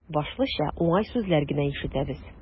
Башлыча, уңай сүзләр генә ишетәбез.